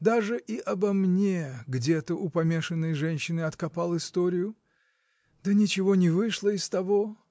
Даже и обо мне где-то у помешанной женщины откопал историю. Да ничего не вышло из того.